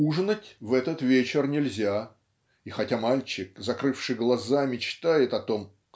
Ужинать в этот вечер нельзя и хотя мальчик закрывши глаза мечтает о том